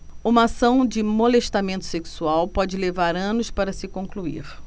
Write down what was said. uma ação de molestamento sexual pode levar anos para se concluir